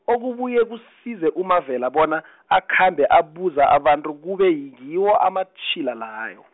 okubuye kusize uMavela bona , akhambe abuza abantu kube ngiwo amatjhila layo .